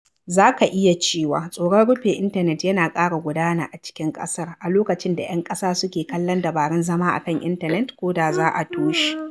Za ka iya cewa tsoron rufe intanet yana ƙara gudana a cikin ƙasar a lokacin da 'yan ƙasa suke kallon dabarun zama a kan intanet ko da za a toshe.